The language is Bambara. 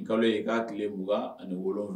I kalo ye i k'a tile b ani wolo